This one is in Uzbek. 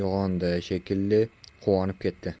uyg'ondi shekilli quvonib ketdi